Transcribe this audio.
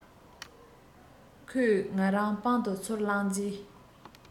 ཁོས ང རང པང དུ ཚུར བླངས རྗེས